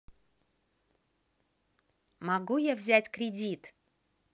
могу я взять кредит